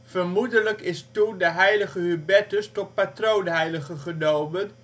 Vermoedelijk is toen de heilige Hubertus tot patroonheilige genomen